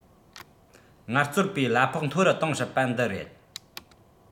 ངལ རྩོལ པའི གླ ཕོགས མཐོ རུ གཏོང སྲིད པ འདི རེད